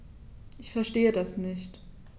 Verstehe das nicht.